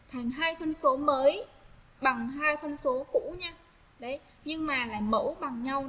thành hai phân số mới bằng hai phân số cũ nhau nhưng mà mẫu phòng nhau